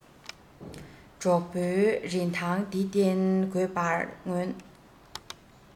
གྲོགས པོའི རིན ཐང འདི རྟེན དགོས པར མངོན